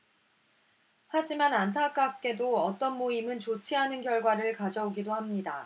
하지만 안타깝게도 어떤 모임은 좋지 않은 결과를 가져오기도 합니다